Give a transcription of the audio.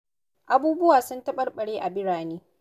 Abubuwa sun taɓarɓare a birane